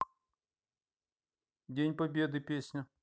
день победы песня